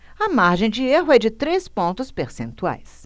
a margem de erro é de três pontos percentuais